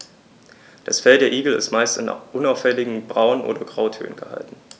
Das Fell der Igel ist meist in unauffälligen Braun- oder Grautönen gehalten.